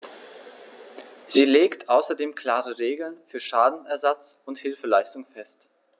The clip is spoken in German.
Sie legt außerdem klare Regeln für Schadenersatz und Hilfeleistung fest.